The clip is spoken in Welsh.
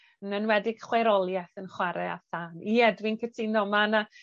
Yn enwedig chwaerolieth yn chware â thân. Ie, dwi'n cytuno ma' 'na